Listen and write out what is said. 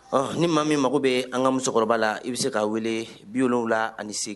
Ɔ ni maa min mago bɛ an ka musokɔrɔba la i bɛ se k'a weele bi la ani sigi